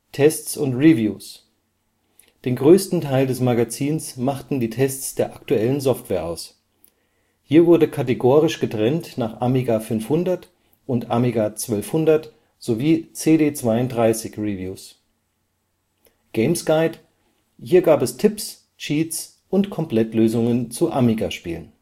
Tests/Reviews: Den größten Teil des Magazins machten die Tests der aktuellen Software aus. Hier wurde kategorisch getrennt nach Amiga 500 -& Amiga 1200 - sowie CD³²-Reviews. Games Guide: Hier gab es Tipps, Cheats und Komplettlösungen zu Amiga-Spielen